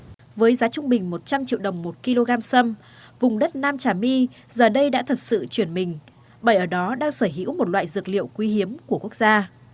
với giá trung bình một trăm triệu đồng một ki lô gam sâm vùng đất nam trà my giờ đây đã thật sự chuyển mình bởi ở đó đang sở hữu một loại dược liệu quý hiếm của quốc gia